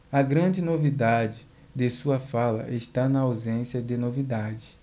a grande novidade de sua fala está na ausência de novidades